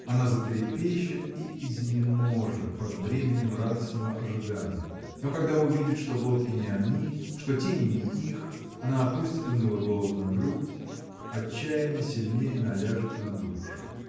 она затрепещет и изнеможет под бременем радостного ожидания. Но когда увидит что в лодке не они что тени не их она опустит уныло голову на грудь отчаяние сильнее наляжет на душу.